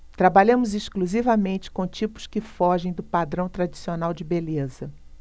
trabalhamos exclusivamente com tipos que fogem do padrão tradicional de beleza